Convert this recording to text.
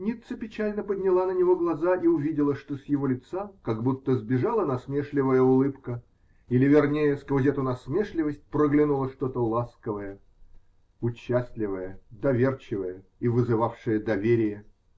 Ницца печально подняла на него глаза и увидела, что с его лица как будто сбежала насмешливая улыбка -- или, вернее, сквозь эту насмешливость проглянуло что-то ласковое, участливое, доверчивое и вызывавшее доверие.